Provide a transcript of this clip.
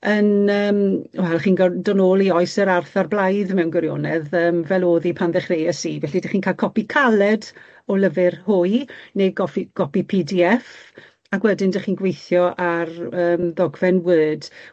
yn yym wel chi'n gor- dod nôl i oes yr Arth a'r Blaidd mewn gwirionedd yym fel o'dd 'i pan ddechreues i, felly 'dych chi'n cael copi caled o lyfyr hwy neu goffi- gopi pee dee eff, ac wedyn 'dych chi'n gwithio ar yym ddogfen Word.